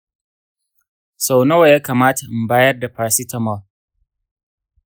sau nawa ya kamata in bayar da paracetamol?